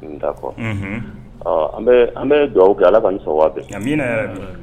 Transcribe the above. N' ko an bɛ dugawubabu kɛ ala ka sɔn waa